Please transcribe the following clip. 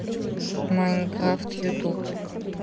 майнкрафт ютуб